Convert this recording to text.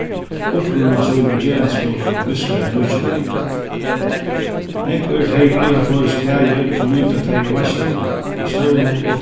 uppruna sín í gerandisbúnanum miðskeiðis í nítjandu øld nógv eru tey ið eiga føroysk klæðir og nýta tey í veitslulag á stevnum og